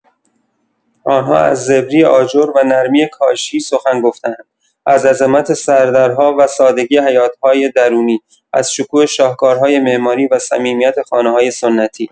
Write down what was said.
آن‌ها از زبری آجر و نرمی کاشی سخن گفته‌اند، از عظمت سردرها و سادگی حیاط‌های درونی، از شکوه شاهکارهای معماری و صمیمیت خانه‌های سنتی.